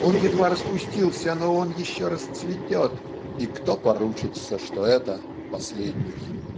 Он едва распустился, но он еще расцветет, и кто поручится, что это последний?